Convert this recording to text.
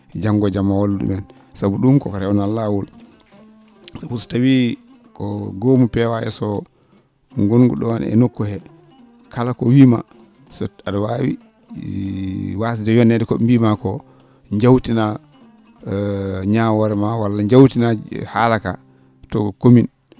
janggo e jam ma wallu ?umen sabu koko rewnaa laawol sabu so tawii ko goomu POAS o ngonngu ?oon e nokku hee kala ko o wiyimaa so a?a waawi i waasde yoneede ko ?e mbiyimaa koo jawtinaa ñaawoore maa walla jawtinaa haala kaa to commune